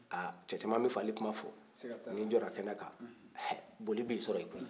ha cɛ caman bɛ fagali kuma fɔ n'i jɔra a kɛnɛ kan hɛ boli b'i sɔrɔ yen koyi